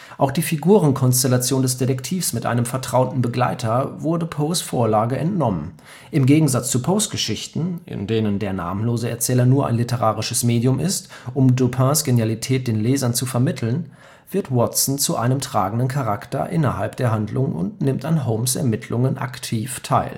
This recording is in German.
Auch die Figurenkonstellation des Detektiv mit einem vertrauten Begleiter wurde Poes Vorlage entnommen. Im Gegensatz zu Poes Geschichten, in denen der namenlose Erzähler nur ein literarisches Medium ist, um Dupins Genialität den Lesern zu vermitteln, wird Watson zu einem tragenden Charakter innerhalb der Handlung und nimmt an Holmes ' Ermittlungen aktiv teil